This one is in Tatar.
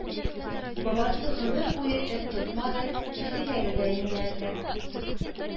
Бабасы гомере буе эт тотмады, песиләре дә инде әллә